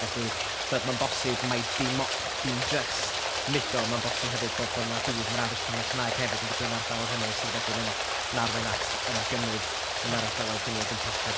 Felly, tibod mae'n bosib, mai dim jyst mudo, ond mae'n bosib hefyd bod bod 'na dwf mewn addysg cyfrwng Cymraeg hefyd yn digwydd yn ardaloedd hynny sydd wedyn yn arwain at yym gynnydd yn yr ardaloedd hynny o gwmpas.